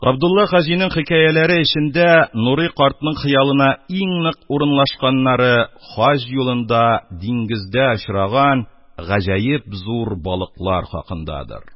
Габдулла хаҗиның хикәяләре эчендә Нурый картның хыялына иң нык урынлашканнары хаҗ юлында, диңгездә очраган гаҗәеп зур балыклар хакындадыр.